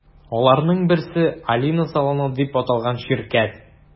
Аларның берсе – “Алина салоны” дип аталган ширкәт.